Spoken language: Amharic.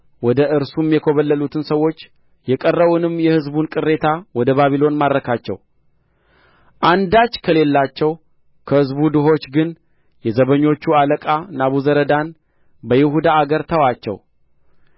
ወደ እርሱም የኰበለሉትን ሰዎች የቀረውንም የሕዝቡን ቅሬታ ወደ ባቢሎን ማረካቸው አንዳች ከሌላቸው ከሕዝቡ ድሆች ግን የዘበኞቹ አለቃ ናቡዘረዳን በይሁዳ አገር ተዋቸው